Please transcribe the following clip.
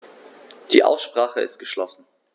Die Aussprache ist geschlossen.